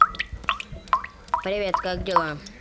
привет как дела